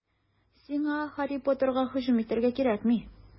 Сиңа Һарри Поттерга һөҗүм итәргә кирәкми.